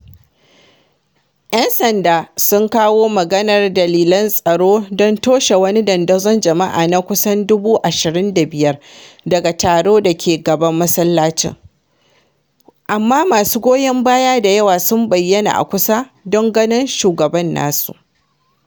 ‘Yan sanda sun kawo maganar dalilan tsaro don toshe wani dandazon jama’a na kusan 25,000 daga taro da ke gaban masallacin, amma masu goyon baya da yawa sun bayyana a kusa don ganin shugaban nasu.